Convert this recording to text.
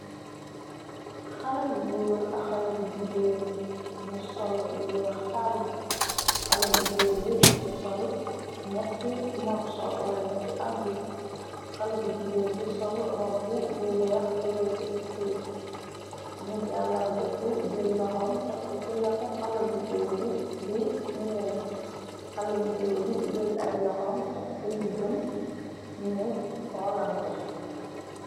Xale bu góor a xale bi jugeen ni sol lu weex tàll. xale bu góor bi mu ngi sol gnetti morso wala netti abd xale bu jugeen bi sol robb bu weex ci réek ci fuuf mu jalarbeku jël loxam tek ko ci lexu xale bu góor bi bi muuñ xale bu góor bi jël ay loxam tek ci ndiggam ñu xoolante.